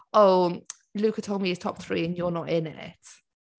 Oh Luca told me his top three and you’re not in it.